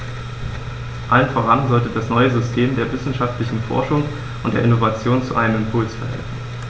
Allem voran sollte das neue System der wissenschaftlichen Forschung und der Innovation zu einem Impuls verhelfen.